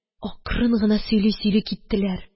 Акрын гына сөйли-сөйли киттеләр.